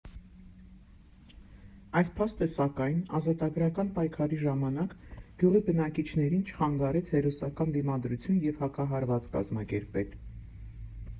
Այս փաստը, սակայն, ազատագրական պայքարի ժամանակ գյուղի բնակիչներին չխանգարեց հերոսական դիմադրություն և հակահարված կազմակերպել։